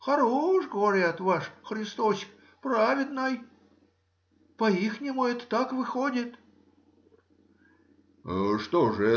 Хорош, говорят, ваш Христосик — праведный — по-ихнему это так выходит. — Что же.